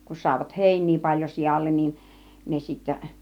kun saivat heiniä paljon sialle niin ne sitten